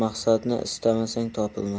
maqsadni istamasang topilmas